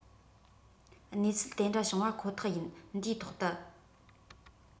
གནས ཚུལ དེ འདྲ བྱུང བ ཁོ ཐག ཡིན འདིའི ཐོག དུ